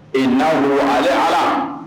Ee n ko ale ala